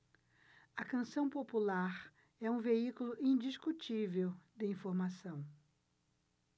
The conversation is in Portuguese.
a canção popular é um veículo indiscutível de informação